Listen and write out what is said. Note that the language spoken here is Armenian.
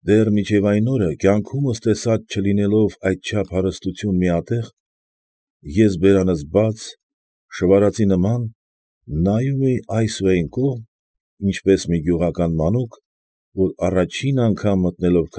Դեռ մինչև այն օրը կյանքումս տեսած չլինելով այդչափ հարստություն միատեղ, ես բերանս բաց, շվարածի նման, նայում էի այս ու այն կողմ, ինչպես մի գյուղական մանուկ, որ առաջին անգամ մտնելով։